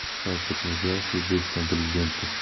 shavkat mirziyoyev o'zbekiston prezidenti